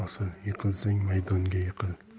osil yiqilsang maydonga yiqil